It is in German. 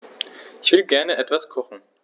Ich will gerne etwas kochen.